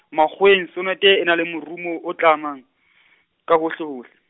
makgoweng sonete e na le morumo o tlamang , ka hohlehohle.